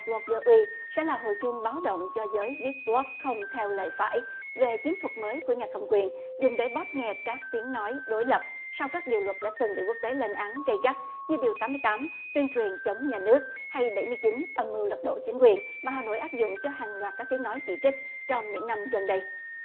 bờ looc gơ uy sẽ là hồi chuông báo động cho giới viết bờ looc không theo lẽ phải về chiến thuật mới của nhà cầm quyền dùng để bóp nghẹt các tiếng nói đối lập sau các điều luật đã từng bị quốc tế lên án gay gắt như điều tám mươi tám tuyên truyền chống nhà nước hay bảy mươi chín âm mưu lật đổ chính quyền mà hà nội áp dụng cho hàng loạt các tiếng nói chỉ trích trong những năm gần đây